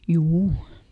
juu